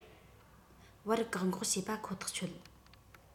བར བཀག འགོག བྱས པ ཁོ ཐག ཆོད